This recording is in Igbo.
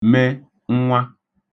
me nnwa